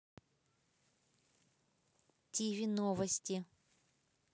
тиви новости